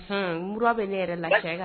Nbauru bɛ ne yɛrɛ la